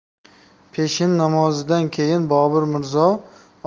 peshin namozidan keyin bobur mirzo